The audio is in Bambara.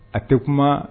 A tɛ kuma